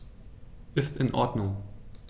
Ist in Ordnung.